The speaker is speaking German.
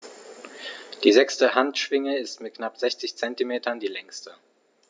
Die sechste Handschwinge ist mit knapp 60 cm die längste.